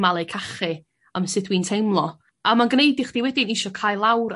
malu cachu am sud dwi'n teimlo a ma'n gneud i chdi wedyn isio cae lawr